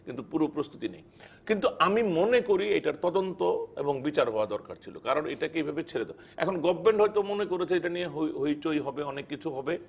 কিন্তু পুরো প্রস্তুতি নেই কিন্তু আমি মনে করি এটার তদন্ত এবং বিচার হওয়া দরকার ছিল কারণ এটাকে এভাবে ছেড়ে দেওয়া এখন গভর্নমেন্ট হয়তো মনে করেছে এটা নিয়ে হৈচৈ হবে অনেক কিছু হবে